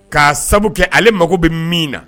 K'a sabu kɛ ale mago bɛ min na